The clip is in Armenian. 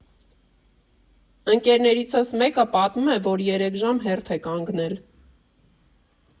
Ընկերնիցս մեկը պատմում է, որ երեք ժամ հերթ է կանգնել։